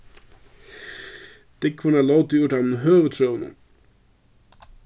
dúgvurnar lótu úr teimum høgu trøunum